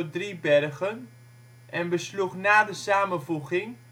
Driebergen en besloeg na de samenvoeging